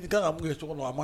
I kan ka mun kɛ sɔkɔnɔ a ma